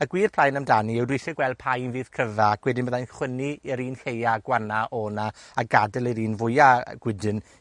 y gwir plaen amdani yw dwi isie gweld pa un fydd cryfa, ac wedyn bydda i'n chwynnu i'r un lleia, gwana o 'na a gadel i'r un fwya gwydyn